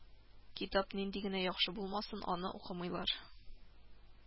Китап нинди генә яхшы булмасын, аны укымыйлар